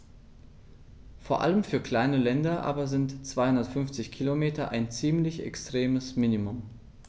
Vor allem für kleine Länder aber sind 250 Kilometer ein ziemlich extremes Minimum.